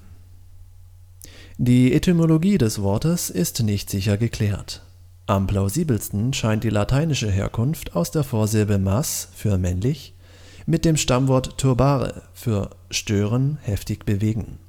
Die Etymologie des Wortes ist nicht sicher geklärt. Am plausibelsten scheint die lateinische Herkunft aus der Vorsilbe „ mas -“(„ männlich “) mit dem Stammwort „ turbare “(„ stören, heftig bewegen